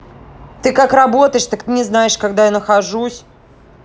ты как работаешь так не знаешь когда я нахожусь